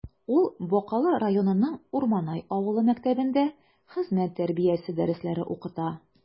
Ул Бакалы районының Урманай авылы мәктәбендә хезмәт тәрбиясе дәресләре укыта.